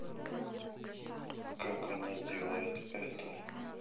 как она делает это